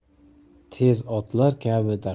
tez otlar kabi